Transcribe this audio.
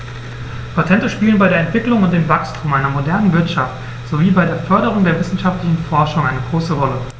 Patente spielen bei der Entwicklung und dem Wachstum einer modernen Wirtschaft sowie bei der Förderung der wissenschaftlichen Forschung eine große Rolle.